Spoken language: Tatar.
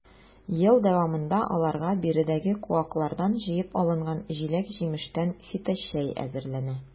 Ел дәвамында аларга биредәге куаклардан җыеп алынган җиләк-җимештән фиточәй әзерләнә.